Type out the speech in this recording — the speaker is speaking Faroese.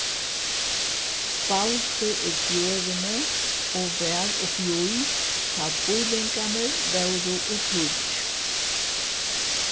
spældi í fjøruni og var uppií tá býlingarnir vóru í kríggj